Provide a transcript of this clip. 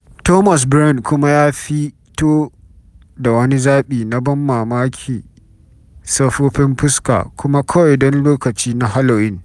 Thom Browne kuma ya fio da wani zaɓi na ban mamaki safofin fuska - kuma kawai don lokaci na Halloween.